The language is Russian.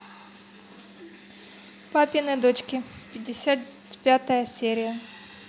папины дочки пятьдесят пятая серия